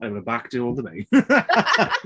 And we're back to ordinary! .